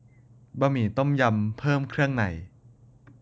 บะหมี่ต้มยำเพิ่มเครื่องใน